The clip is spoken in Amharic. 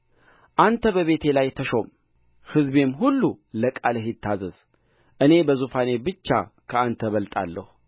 አንተ በቤቴ ላይ ተሾም ሕዝቤም ሁሉ ለቃልህ ይታዘዝ እኔ በዙፋኔ ብቻ ከአንተ እበልጣለሁ